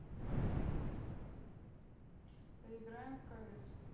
поиграем в cs